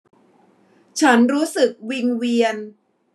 ฉันรู้สึกวิงเวียน